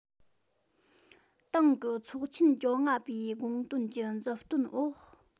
ཏང གི ཚོགས ཆེན ཐེངས བཅོ ལྔ པའི དགོངས དོན གྱི མཛུབ སྟོན འོག